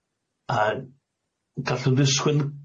A gallwn ddisgwyl